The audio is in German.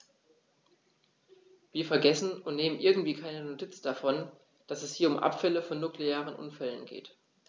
Wir vergessen, und nehmen irgendwie keine Notiz davon, dass es hier um Abfälle von nuklearen Unfällen geht.